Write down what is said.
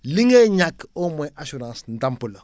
li ngay ñàkk au moins assurance ndàmp la